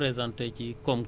bu ñu toogee ñoom la